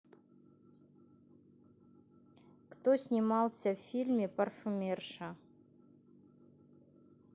кто снимался в фильме парфюмерша